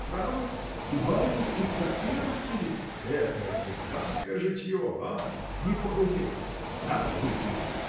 – Право-с: и барину-то из трактира носили. – Экое цыганское житье! а! не похудеть! На-ка, выпей!